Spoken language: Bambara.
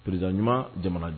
Pered ɲuman jamana di